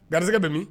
Garisɛ bɛ min